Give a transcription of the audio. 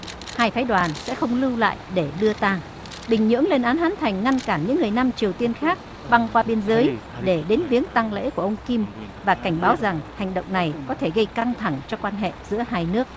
hai phái đoàn sẽ không lưu lại để đưa tang bình nhưỡng lên án hắn thành ngăn cản những người nam triều tiên khác băng qua biên giới để đến viếng tang lễ của ông kim và cảnh báo rằng hành động này có thể gây căng thẳng cho quan hệ giữa hai nước